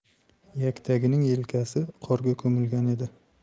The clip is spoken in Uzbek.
yaktagining yelkasi qorga ko'milgan edi